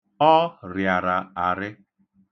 Ọ rịara arị.